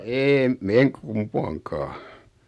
en en kumpaankaan